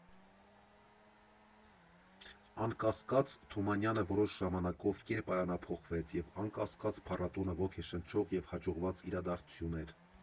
Անկասկած, Թումանյանը որոշ ժամանակով կերպարանափոխվեց, և, անկասկած, փառատոնը ոգեշնչող և հաջողված իրադարձություն էր։